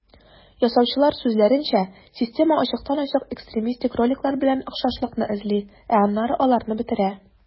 Ясаучылар сүзләренчә, система ачыктан-ачык экстремистик роликлар белән охшашлыкны эзли, ә аннары аларны бетерә.